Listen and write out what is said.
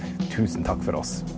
tusen takk for oss.